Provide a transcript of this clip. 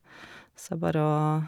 Så er bare å...